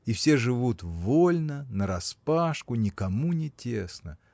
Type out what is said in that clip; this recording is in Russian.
И все живут вольно, нараспашку, никому не тесно